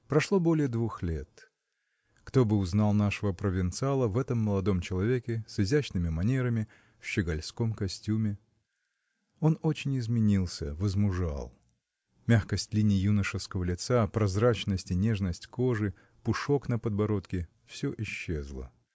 Прошло более двух лет. Кто бы узнал нашего провинциала в этом молодом человеке с изящными манерами в щегольском костюме? Он очень изменился, возмужал. Мягкость линий юношеского лица прозрачность и нежность кожи пушок на подбородке – все исчезло.